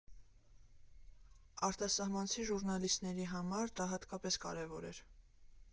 Արտասահմանցի ժուռնալիստների համար դա հատկապես կարևոր էր։